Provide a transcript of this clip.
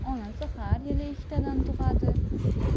onasi har yili ikkitadan tug'adi